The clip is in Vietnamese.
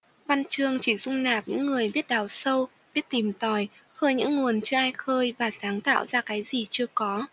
văn chương chỉ dung nạp những người biết đào sâu biết tìm tòi khơi những nguồn chưa ai khơi và sáng tạo ra cái gì chưa có